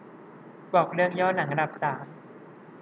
บอกเรื่องย่อหนังอันดับสาม